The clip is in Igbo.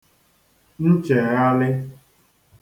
ncheghalị